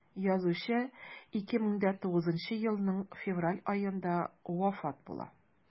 Язучы 2009 елның февраль аенда вафат була.